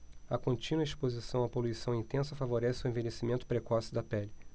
a contínua exposição à poluição intensa favorece o envelhecimento precoce da pele